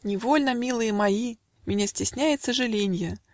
Невольно, милые мои, Меня стесняет сожаленье